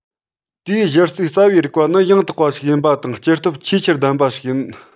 དེའི གཞི རྩའི རྩ བའི རིགས པ ནི ཡང དག པ ཞིག ཡིན པ དང སྐྱེ སྟོབས ཆེས ཆེར ལྡན པ ཞིག ཡིན